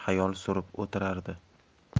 xayol surib o'tirardi